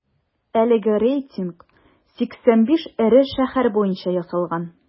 Әлеге рейтинг 85 эре шәһәр буенча ясалган.